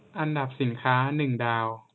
อันดับสินค้าหนึ่งดาว